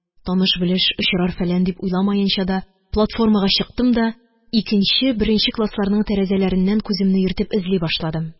Таныш-белеш очрар-фәлән дип уйламаенча да, платформага чыктым да икенче, беренче классларның тәрәзәләреннән күземне йөртеп эзли башладым